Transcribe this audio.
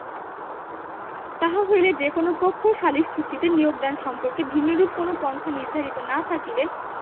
তাহা হইলে যে কোন পক্ষ সালিস চুক্তিতে নিয়োগদান সম্পর্কে ভিন্নরূপ কোন পন্থা নির্ধারিত না থাকিলে